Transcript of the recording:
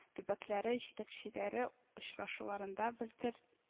Төбәкләре җитәкчеләре очрашуларында белдер